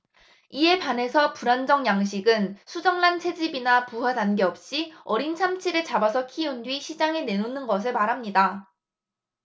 이에 반해서 불안정 양식은 수정란 채집이나 부화 단계 없이 어린 참치를 잡아서 키운 뒤 시장에 내놓는 것을 말합니다